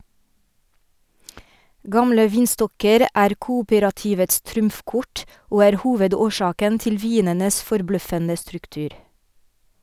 Gamle vinstokker er kooperativets trumfkort, og er hovedårsaken til vinenes forbløffende struktur.